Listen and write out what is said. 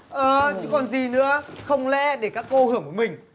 ờ chứ còn gì nữa không lẽ để các cô hưởng một mình